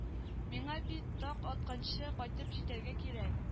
Миңа бит таң атканчы кайтып җитәргә кирәк